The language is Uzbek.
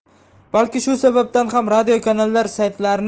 balki shu sababdan ham radiokanallar saytlarini